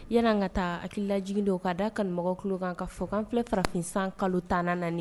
Yan ka taa hakili laj de k kaa da kanumɔgɔ ku kan ka fɔkan filɛ farafin san kalo ta na